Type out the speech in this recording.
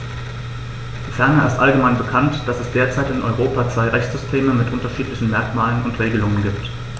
Ferner ist allgemein bekannt, dass es derzeit in Europa zwei Rechtssysteme mit unterschiedlichen Merkmalen und Regelungen gibt.